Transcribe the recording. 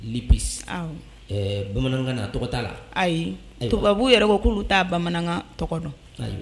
Libis Bamanankan na tɔgɔ t'a la, ayi tubabu b'u yɛrɛ ko k'olu taa bamanankan tɔgɔ dɔn